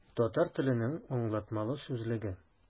Татар теленең аңлатмалы сүзлеге.